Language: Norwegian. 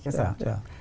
ja ja.